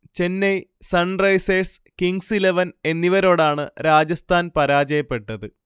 Chennai, Sunrisers, Kings Eleven എന്നിവരോടാണ് രാജസ്ഥാൻ പരാജയപ്പെട്ടത്